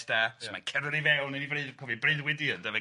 So mae'n cerdded i fewn i ni freuddw- cofio breuddwyd di yndyfe?